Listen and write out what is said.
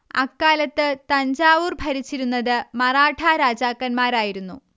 അക്കാലത്ത് തഞ്ചാവൂർ ഭരിച്ചിരുന്നത് മറാഠാ രാജാക്കന്മാരായിരുന്നു